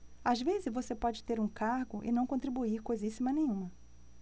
às vezes você pode ter um cargo e não contribuir coisíssima nenhuma